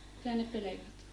mitä ne pelkat on